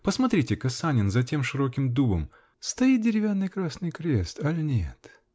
Посмотрите-ка, Санин, за тем широким дубом -- стоит деревянный красный крест? аль нет?